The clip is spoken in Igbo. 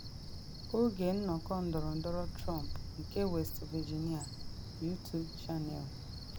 Oge nnọkọ ndọrọndọrọ Trump nke West Virginia. Youtube Channel